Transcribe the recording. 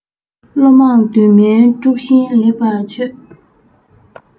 བློ མང འདུན མའི དཀྲུག ཤིང ལེགས པར ཆོད